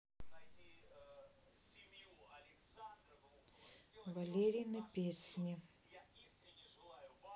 валерины песни